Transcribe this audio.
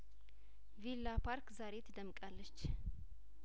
ቪላፓርክ ዛሬ ትደምቃለች